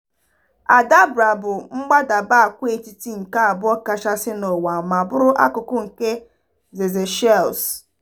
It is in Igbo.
Aldabra bụ mbadaba agwaetiti nke abụọ kachasị n'ụwa ma bụrụ akụkụ nke Seychelles.